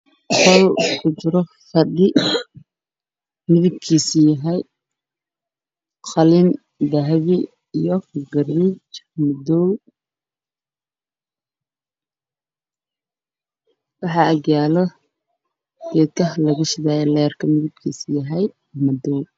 Halkaan waxaa ka muuqdo qol wayn oo ay ku jiraan fadhiyo kuwa hada ii miiqdo waa cadays madaw xigeen iyo dahabi